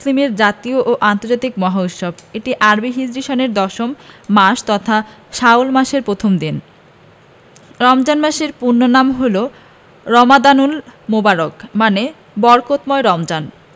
মুসলিমের জাতীয় ও আন্তর্জাতিক মহা উৎসব এটি আরবি হিজরি সনের দশম মাস তথা শাওয়াল মাসের প্রথম দিন রমজান মাসের পূর্ণ নাম হলো রমাদানুল মোবারক মানে বরকতময় রমজান